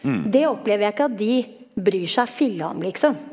det opplever jeg ikke at de bryr seg filla om liksom.